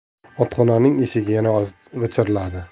otxonaning eshigi yana g'ijirladi